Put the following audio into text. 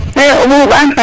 fe o Mboumban